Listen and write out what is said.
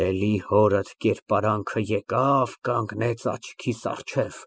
Էհ, էլի հորդ կերպարանքն եկավ, կանգնեց աչքիս առաջ։